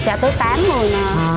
dạ tời tám người mà